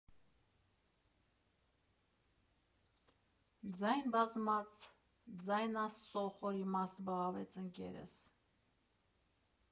«Ձայն բազմաց՝ ձայն Աստծո»,֊ խորիմաստ բղավեց ընկերս։